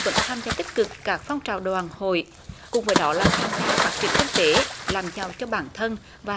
vẫn tham gia tích cực các phong trào đoàn hội cùng với đó là tham gia phát triển kinh tế làm giàu cho bản thân và